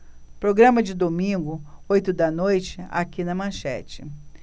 programa de domingo oito da noite aqui na manchete